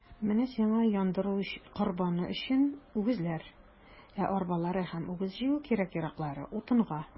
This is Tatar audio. Менә сиңа яндыру корбаны өчен үгезләр, ә арбалары һәм үгез җигү кирәк-яраклары - утынга.